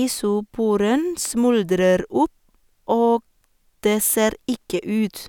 Isoporen smuldrer opp, og det ser ikke ut,